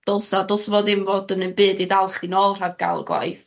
dylsa dylsa fo ddim fod yn 'im byd i dal chdi nôl rhag ga'l gwaith.